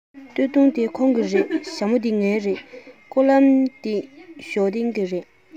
སྟོད ཐུང འདི ཁོང གི རེད ཞྭ མོ འདི ངའི རེད ལྷམ གོག འདི ཞའོ ཏིང གི རེད ཆུ ཚོད འདི ཁོའི རེད